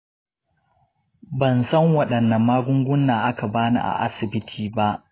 ban san waɗanne magunguna aka ba ni a asibiti ba.